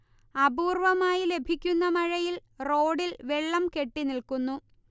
അപൂർവമായി ലഭിക്കുന്ന മഴയിൽ റോഡിൽ വെള്ളം കെട്ടിനിൽക്കുന്നു